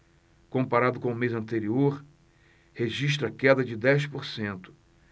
comparado com o mês anterior registra queda de dez por cento